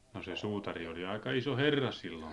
no se suutari oli aika iso herra silloin